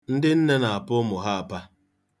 Ndị nne na-apa ụmụ ha apa.